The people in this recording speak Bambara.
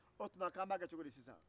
o tuma k'an b'a kɛ cogo di sisan